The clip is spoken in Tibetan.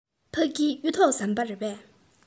ཕ གི གཡུ ཐོག ཟམ པ རེད པས